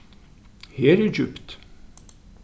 her er djúpt